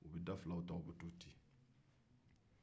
u be dafilaw ta u bɛ taa u ti